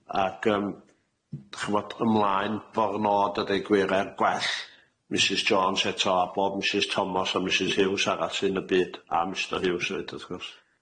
Ag yym, da ch'mod ymlaen fo'r nod a deud gwir, er gwell Misus Jones eto, a bob Misus Tomos a Misus Hughes arall sy'n y byd, a Mistyr Hughes hefyd wrth gwrs.